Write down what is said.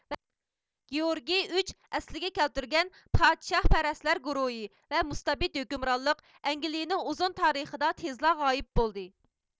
گېئورگې ئۈچ ئەسلىگە كەلتۈرگەن پادىشاھپەرەس لەر گۇرۇھى ۋە مۇستەبىت ھۆكۈمرانلىق ئەنگلىيىنىڭ ئۇزۇن تارىخىدا تېزلا غايىب بولدى